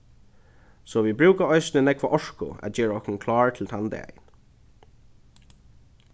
so vit brúka eisini nógva orku at gera okkum klár til tann dagin